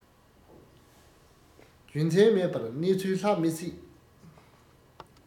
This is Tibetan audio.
རྒྱུ མཚན མེད པར གནས ཚུལ ལྷག མི སྲིད